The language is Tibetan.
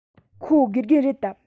ཁོ དགེ རྒན རེད དམ